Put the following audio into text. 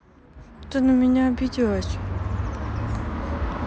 ты на меня обиделась